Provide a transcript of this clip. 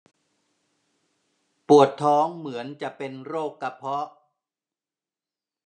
ปวดท้องเหมือนจะเป็นโรคกระเพาะ